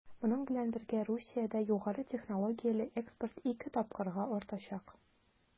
Моның белән бергә Русиядә югары технологияле экспорт 2 тапкырга артачак.